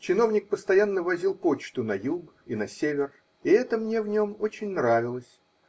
Чиновник постоянно возил почту на юг и на север, и это мне в нем очень нравилось.